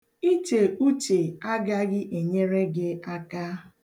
Iche uche agaghị enyere gị aka.